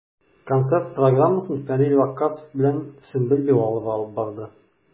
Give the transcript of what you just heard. Концерт программасын Фәнил Ваккасов белән Сөмбел Билалова алып барды.